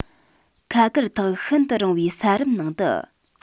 ཁ བཀར ཐག ཤིན ཏུ རིང བའི ས རིམ ནང དུ